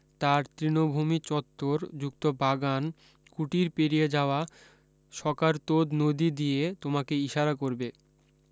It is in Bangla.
তার তৃণভূমি চত্বর যুক্ত বাগান কুটির পেরিয়ে যাওয়া সকারতোদ নদী দিয়ে তোমাকে ইশারা করবে